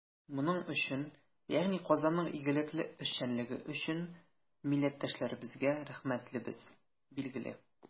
Моның өчен, ягъни Казанның игелекле эшчәнлеге өчен, милләттәшләребезгә рәхмәтлебез, билгеле.